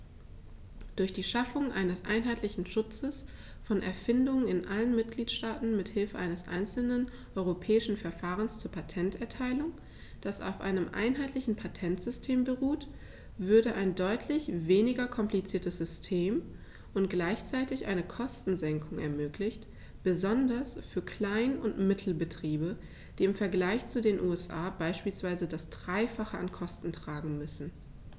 Durch die Schaffung eines einheitlichen Schutzes von Erfindungen in allen Mitgliedstaaten mit Hilfe eines einzelnen europäischen Verfahrens zur Patenterteilung, das auf einem einheitlichen Patentsystem beruht, würde ein deutlich weniger kompliziertes System und gleichzeitig eine Kostensenkung ermöglicht, besonders für Klein- und Mittelbetriebe, die im Vergleich zu den USA beispielsweise das dreifache an Kosten tragen müssen.